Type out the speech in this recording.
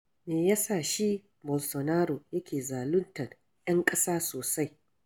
Me ya sa shi [Bolsonaro] yake zaluntar 'yan ƙasa sosai?